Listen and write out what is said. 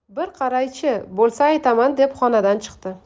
bir qaray chi bo'lsa aytaman deb xonadan chiqdi